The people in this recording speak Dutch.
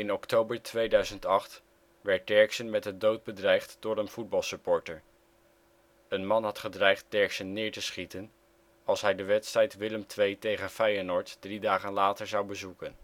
oktober 2008 werd Derksen met de dood bedreigd door een voetbalsupporter. Een man had gedreigd Derksen neer te schieten als hij de wedstrijd Willem II-Feyenoord drie dagen later zou bezoeken